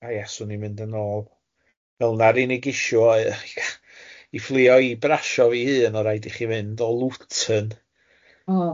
Oh yes, sw ni'n mynd yn ol. Fel na'r unig issue oedd i fflio i Brasov i hun odd raid i chi fynd o Luton. Oh.